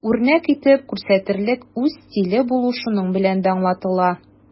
Үрнәк итеп күрсәтерлек үз стиле булу шуның белән дә аңлатыла.